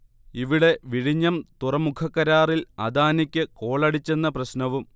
ഇവിടെ വിഴിഞ്ഞം തുറമുഖക്കരാറിൽ അദാനിക്ക് കോളടിച്ചെന്ന പ്രശ്നവും